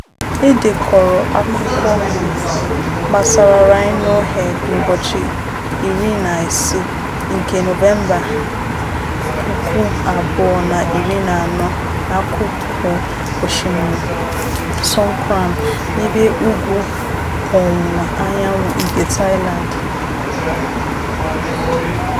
E dekọrọ akụkọ gbasara Rhino Head n'ụbọchị 16 nke Nọvemba, 2014, n'akụkụ Osimiri Songkram n'ebe ugwu ọwụwa anyanwụ nke Thailand.